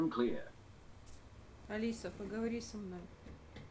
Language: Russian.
алиса поговори со мной